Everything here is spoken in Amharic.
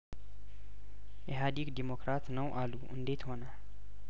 ኢህአዲግ ዲሞክራት ነው አሉ እንዴት ሆኖ